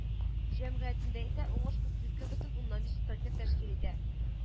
Җәмгыятендә исә уңыш утыз ике бөтен уннан биш центнер тәшкил итә